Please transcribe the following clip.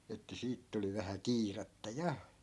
että siitä tuli vähän kiirettä ja